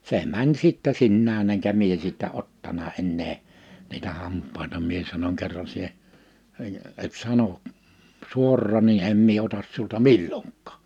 se meni sitten sinänsä enkä minä sitten ottanut enää niitä hampaita minä sanon kerran sinä et sano suoraan niin en minä ota sinulta milloinkaan